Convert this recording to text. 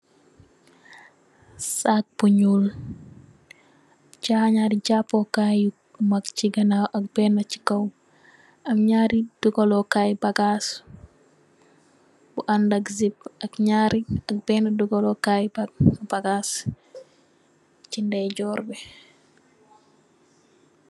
Saak bu nyuul, chaa nyari japoo kaay yu mak chi ganaaw ak bena chi kaw, am nyaari dugoloo kaay bagaas, bu andak zip, ak bena dugoloo kaay bagaas, chi nday joor bi.